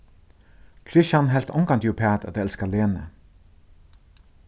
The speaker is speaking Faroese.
kristian helt ongantíð uppat at elska lenu